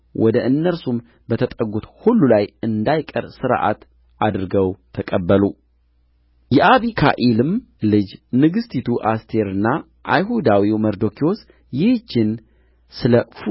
ወደ እነርሱም በተጠጉት ሁሉ ላይ እንዳይቀር ሥርዓት አድርገው ተቀበሉ የአቢካኢልም ልጅ ንግሥቲቱ አስቴርና አይሁዳዊው መርዶክዮስ ይህችን ስለ